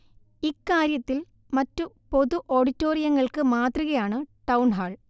ഇക്കാര്യത്തിൽ മറ്റു പൊതു ഓഡിറ്റോറിയങ്ങൾക്ക് മാതൃകയാണ് ടൗൺഹാൾ